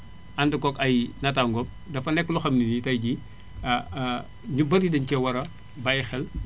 ànd kook ay nattangoom dafa nekk loo xam ne nii tey jii ñu bari dañu cee war a bàyyi xel ndax